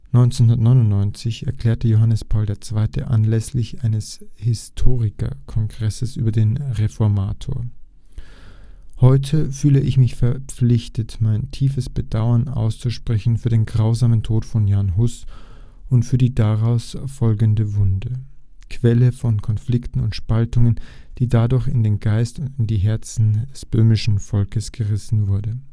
1999 erklärte Papst Johannes Paul II. anlässlich eines Historikerkongresses über den Reformator: „ Heute […] fühle ich mich verpflichtet, mein tiefes Bedauern auszusprechen für den grausamen Tod von Jan Hus und für die daraus folgende Wunde, Quelle von Konflikten und Spaltungen, die dadurch in den Geist und die Herzen des böhmischen Volkes gerissen wurde